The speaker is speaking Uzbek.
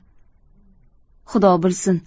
xudo bilsin